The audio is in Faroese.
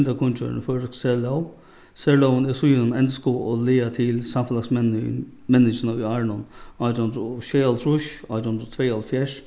grindakunngerðin føroysk serlóg serlógin er síðan endurskoðað og lagað til menningina í árunum átjan hundrað og sjeyoghálvtrýss átjan hundrað og tveyoghálvfjerðs